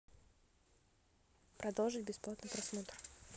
продолжить бесплатный просмотр